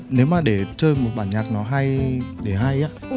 nếu mà để chơi một bản nhạc nó hay để hay á